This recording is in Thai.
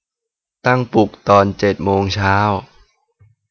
ตั้งปลุกตอนเจ็ดโมงเช้า